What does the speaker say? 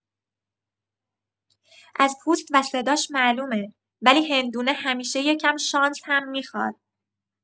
از پوست و صداش معلومه، ولی هندونه همیشه یکم شانس هم می‌خواد.